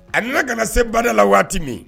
A nana ka se bada la waati min